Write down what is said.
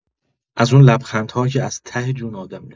از اون لبخندها که از ته جون آدم میاد.